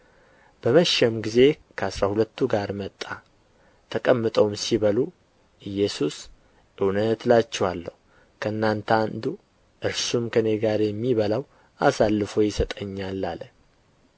በመሸም ጊዜ ከአሥራ ሁለቱ ጋር መጣ ተቀምጠውም ሲበሉ ኢየሱስ እውነት እላችኋለሁ ከእናንተ አንዱ እርሱም ከእኔ ጋር የሚበላው አሳልፎ ይሰጠኛል አለ